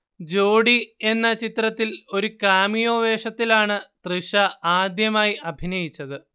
ജോഡി എന്ന ചിത്രത്തിൽ ഒരു കാമിയോ വേഷത്തിലാണ് തൃഷ ആദ്യമായി അഭിനയിച്ചത്